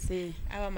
Se aw